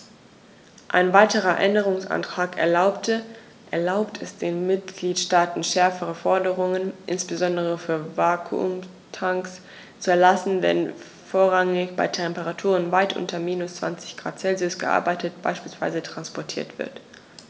Ein weiterer Änderungsantrag erlaubt es den Mitgliedstaaten, schärfere Forderungen, insbesondere für Vakuumtanks, zu erlassen, wenn vorrangig bei Temperaturen weit unter minus 20º C gearbeitet bzw. transportiert wird.